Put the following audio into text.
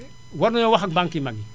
war nañoo wax ak banques yu mag yi